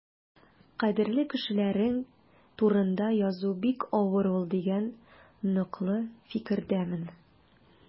Кадерле кешеләрең турында язу бик авыр ул дигән ныклы фикердәмен.